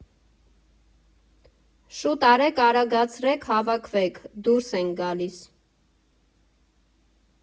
Շո՛ւտ արեք, արագացրե՛ք, հավաքվեք, դուրս ենք գալիս։